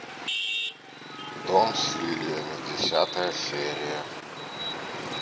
дом с лилиями десятая серия